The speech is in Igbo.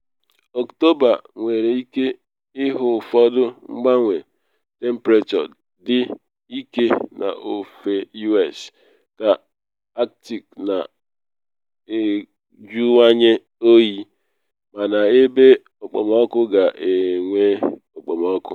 Ọktọba nwere ike ịhụ ụfọdụ mgbanwe temprechọ dị ike n’ofe U.S. ka Arctic na ejuwanye oyi, mana ebe okpomọkụ ga-enwe okpomọkụ.